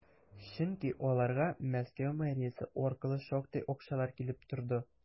Чөнки аларга Мәскәү мэриясе аркылы шактый акчалар килеп торды.